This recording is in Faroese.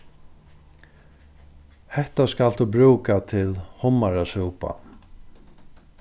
hetta skalt tú brúka til hummarasúpan